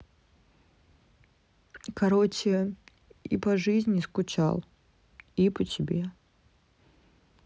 короче и по жизни скучал и по тебе